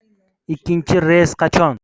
ikkinchi reys qachon